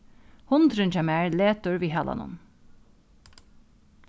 hundurin hjá mær letur við halanum